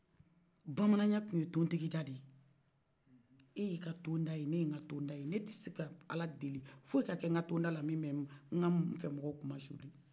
bamananya tun ye tɔn tikida den ye e y'i ka tɔn da ye ne ye nka tɔn da ye ne te se ka ala deli fɔyi ka kɛ ne ka tɔn dala min bɛ ne nɔfɛ baw kuma suri